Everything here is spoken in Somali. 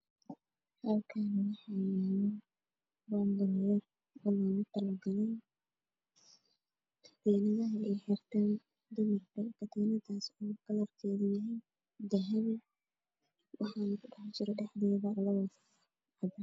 Niman ciyaartoy ah oo ciyaariyo banooni waxay wataan fanaanadoodii cadaan isku jiraa banooni ayey dheelayaan